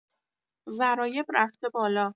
ضرایب رفته بالا